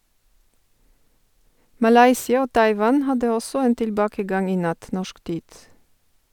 Malaysia og Taiwan hadde også en tilbakegang i natt, norsk tid.